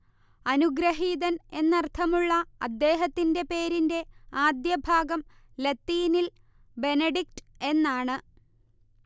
അനുഗ്രഹീതൻ എന്നർത്ഥമുള്ള അദ്ദേഹത്തിന്റെ പേരിന്റെ ആദ്യഭാഗം ലത്തീനിൽ ബെനഡിക്ട് എന്നാണ്